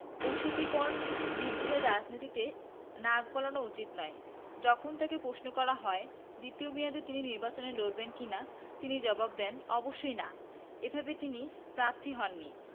অশীতিপর বৃদ্ধের রাজনীতিতে নাক গলানো উচিত নয় যখন তাঁকে প্রশ্ন করা হয় দ্বিতীয় মেয়াদে তিনি নির্বাচনে লড়বেন কি না তিনি জবাব দেন অবশ্যই না এবং তিনি প্রার্থী হননি